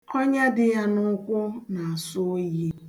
Ọnya dị ya n'ụkwụ na-asọ oyi.